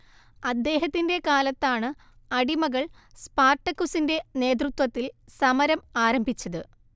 അദ്ദേഹത്തിന്റെ കാലത്താണ് അടിമകൾ സ്പാർട്ടക്കുസിന്റെ നേതൃത്വത്തിൽ സമരം ആരംഭിച്ചത്